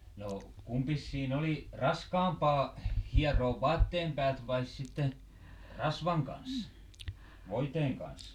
no kumpis siinä oli raskaampaa hieroa vaatteen päältä vai sitten rasvan kanssa voiteen kanssa